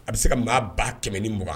A bɛ se ka maa ba kɛmɛ niugan